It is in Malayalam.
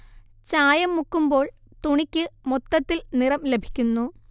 ചായം മുക്കുമ്പോൾ തുണിക്ക് മൊത്തത്തിൽ നിറം ലഭിക്കുന്നു